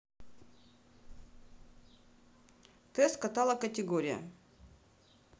тест каталог категория